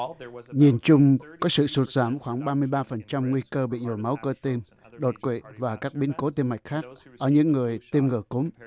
nhìn chung có sự sụt giảm khoảng ba mươi ba phần trăm nguy cơ bị nhồi máu cơ tim đột quỵ và các biến cố tim mạch khác ở những người tiêm ngừa cúm